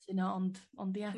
...cytuno ond ond ia...